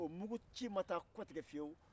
o mungu ci ma kɔ tigɛ fiyew